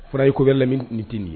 Fɔra iko bɛ lammi nit nin